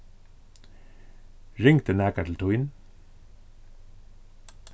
ringdi nakar til tín